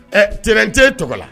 Ɛ tɛnɛn tɛ tɔgɔ la